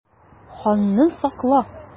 Ханны сакла!